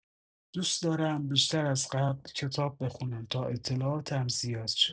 دوست دارم بیشتر از قبل کتاب بخونم تا اطلاعاتم زیاد شه.